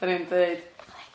'Dan ni'n deud 'Alexa',